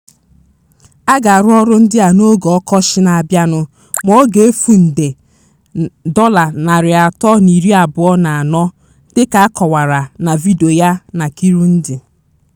A ga-arụ ọrụ ndị a n'oge ọkọchị na-abịanụ ma ọ ga-efu nde $324, dịka a kọwara na vidiyo a na Kirundi.